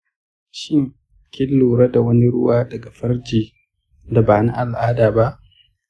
shin kin lura da wani ruwa daga farji da ba na al’ada ba?